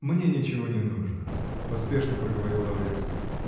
-- Мне ничего не нужно, -- поспешно проговорил Лаврецкий.